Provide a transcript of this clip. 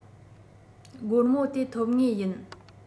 སྒོར མོ དེ ཐོབ ངེས ཡིན